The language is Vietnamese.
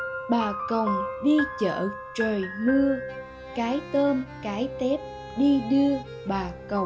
bà còng đi chợ trời mưa cái tôm cái tép đi đưa bà còng